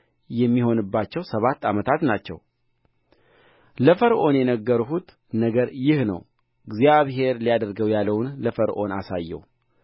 የሚሆንባቸው ሰባት ዓመታት ናቸው ለፈርዖን የነገርሁት ነገር ይህ ነው እግዚአብሔር ሊያደርገው ያለውን ለፈርዖን አሳየው